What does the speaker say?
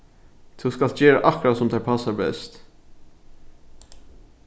tú skalt gera akkurát sum tær passar best